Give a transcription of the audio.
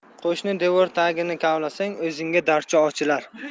qo'shni devor tagini kavlasang o'zingga darcha ochilar